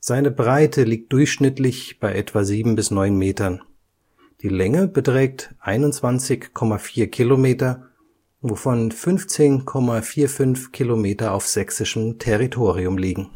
Seine Breite liegt durchschnittlich bei etwa 7 bis 9 Metern. Die Länge beträgt 21,4 Kilometer, wovon 15,45 Kilometer auf sächsischen Territorium liegen.